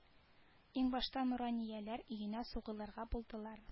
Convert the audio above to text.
Иң башта нуранияләр өенә сугылырга булдылар